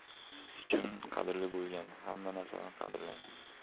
siz uchun qadrli bo'lgan hamma narsani qadrlang